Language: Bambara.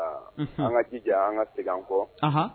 An ka jija an ka segin an kɔ ahan